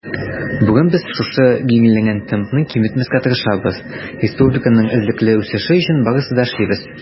Бүген без шушы билгеләнгән темпны киметмәскә тырышабыз, республиканың эзлекле үсеше өчен барысын да эшлибез.